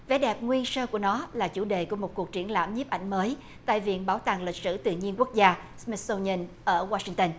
vẻ đẹp nguyên sơ của nó là chủ đề của một cuộc triển lãm nhiếp ảnh mới tại viện bảo tàng lịch sử tự nhiên quốc gia sờ mít tho ni ần ở oa sinh tơn